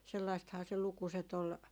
sellaistahan se lukuset oli